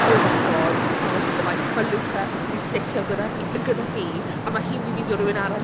Oh my God, oh my God! Mae mae Luca yn mynd i sticio gyda hi- gyda hi, a ma hi'n mynd i ffeindio rhywun arall...